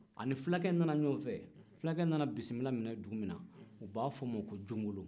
a ni fulakɛ min nana ɲɔgɔn fɛ fulakɛ in nana bisimila minɛ dugu min na o b'a f'o ma ko jomolo